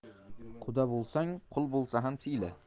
quda bo'lsang qui bo'lsa ham siyla